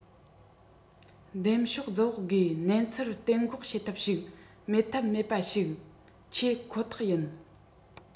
འདེམས ཤོག རྫུ བག སྒོས གནས ཚུལ གཏན འགོག བྱེད ཐབས ཤིག མེད ཐབས མེད པ ཞིག ཆེད ཁོ ཐག ཡིན